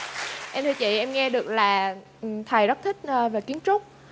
em thưa chị em nghe được là ừ thầy rất thích về kiến trúc